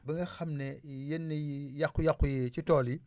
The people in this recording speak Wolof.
ba nga xam ne yenn yàqu-yàqu yi ci tool yi